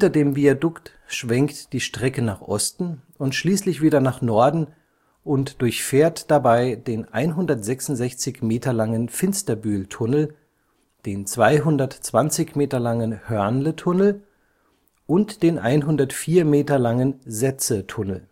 dem Viadukt schwenkt die Strecke nach Osten und schließlich wieder nach Norden und durchfährt dabei den 166 Meter langen Finsterbühl-Tunnel, den 220 Meter langen Hörnle-Tunnel und den 104 Meter langen Setze-Tunnel